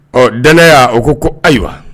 Ɔ' u ko ko ayiwa